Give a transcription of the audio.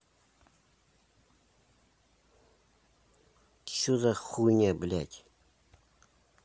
че за хуйня блять